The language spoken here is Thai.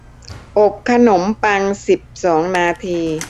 อบขนมปังสิบสองนาที